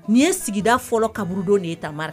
Nin'i ye sigida fɔlɔ kaburu don nin ye taama marari